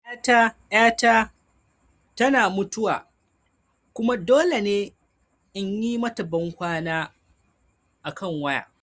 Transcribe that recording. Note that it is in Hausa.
‘ya ta tana mutuwa kuma dole in yi mata bankwana a kan waya